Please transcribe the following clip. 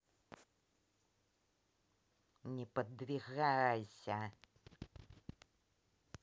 не подвигайся